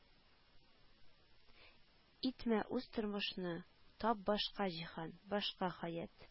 Итмә үз тормышны; тап башка җиһан, башка хәят;